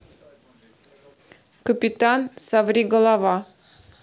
капитан соври голова